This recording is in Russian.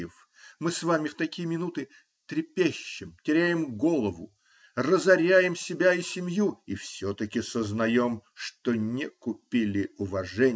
Мы с вами в такие минуты трепещем, теряем голову, разоряем себя и семью и все-таки сознаем, что не купили уважения.